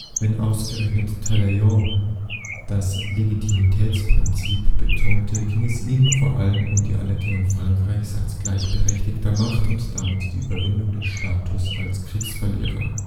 Wenn ausgerechnet Talleyrand das Legitimitätsprinzip betonte, ging es ihm vor allem um die Anerkennung Frankreichs als gleichberechtigter Macht und damit die Überwindung des Status als Kriegsverlierer